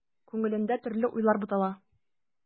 Күңелендә төрле уйлар бутала.